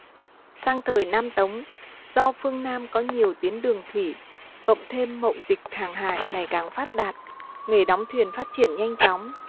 sang thời nam tống do phương nam có nhiều tuyến đường thủy cộng thêm mậu dịch hàng hải ngày càng phát đạt nghề đóng thuyền phát triển nhanh chóng